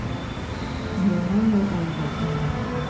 Яңа ел алды, минемчә.